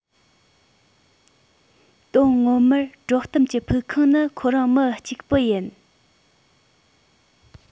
དོན ངོ མར དཀྲོག གཏམ གྱི ཕུགས ཁུངས ནི ཁོ རང མི གཅིག པུ ཡིན